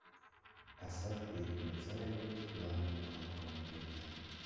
asad bekmirzaevich ularning qalqoniga aylandi